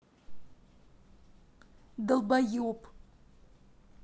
долбоеб